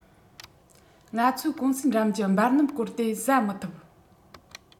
ང ཚོའི ཀུང སིའི འགྲམ གྱི འབར སྣུམ གོར དེ བཟའ མི ཐུབ